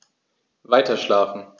Weiterschlafen.